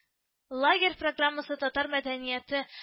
Лагерь программасы татар мәдәнияте